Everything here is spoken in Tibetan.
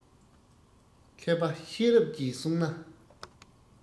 མཁས པ ཤེས རབ ཀྱིས བསྲུང ན